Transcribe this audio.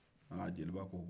aa jeliba ko